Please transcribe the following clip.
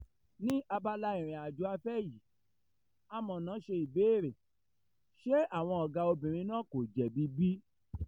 Ní abala ìrìnàjò afẹ́ yìí, amọ̀nà ṣe ìbéèrè: ṣé àwọn ọ̀gá obìnrin náà kò jẹ̀bi bí?